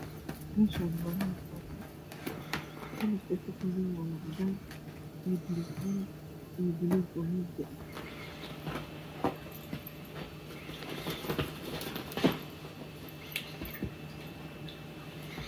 Meshani waa meel hol ah kalarkuu kakoban yahay waa cadan iyo ibaluug calan iyo baluug oo mugdi ah